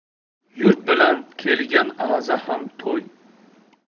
yurt bilan kelgan aza ham to'y